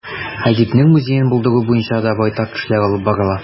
Әдипнең музеен булдыру буенча да байтак эшләр алып барыла.